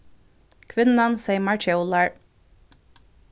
kvinnan seymar kjólar